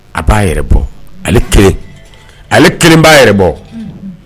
A b'a yɛrɛ ale kelen ale kelen b'a yɛrɛ bɔ